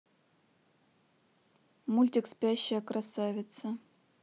мультик спящая красавица